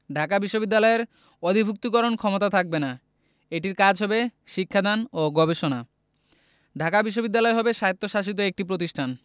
ঢাকা বিশ্ববিদ্যালয়ের অধিভুক্তিকরণ ক্ষমতা থাকবে না এটির কাজ হবে শিক্ষা দান ও গবেষণা ঢাকা বিশ্ববিদ্যালয় হবে স্বায়ত্তশাসিত একটি প্রতিষ্ঠান